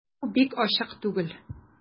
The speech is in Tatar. Бу бик ачык түгел...